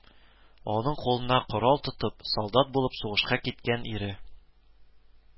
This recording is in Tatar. Аның кулына корал тотып, солдат булып сугышка киткән ире